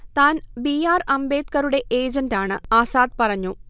താൻ B. R അംബേദ്കറുടെ ഏജന്റാണ്- ആസാദ് പറഞ്ഞു